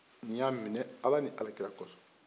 n y'a minɛ ala ni alakira ko sɔn